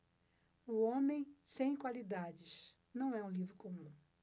o homem sem qualidades não é um livro comum